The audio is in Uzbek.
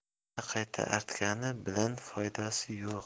qayta qayta artgani bilan foydasi yo'q